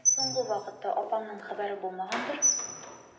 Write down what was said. Соңгы вакытта апаңның хәбәре булмагандыр?